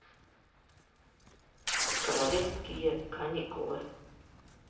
королевские каникулы